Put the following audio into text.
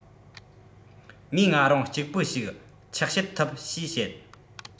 ངས ང རང གཅིག པུ ཞིག ཆགས བྱེད ཐུབ ཞེས བཤད